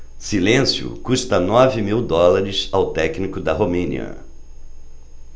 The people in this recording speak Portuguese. silêncio custa nove mil dólares ao técnico da romênia